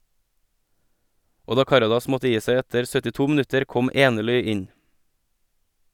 Og da Karadas måtte gi seg etter 72 minutter kom Enerly inn.